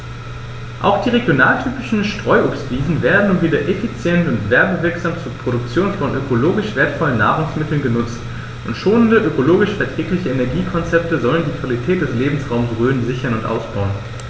Auch die regionaltypischen Streuobstwiesen werden nun wieder effizient und werbewirksam zur Produktion von ökologisch wertvollen Nahrungsmitteln genutzt, und schonende, ökologisch verträgliche Energiekonzepte sollen die Qualität des Lebensraumes Rhön sichern und ausbauen.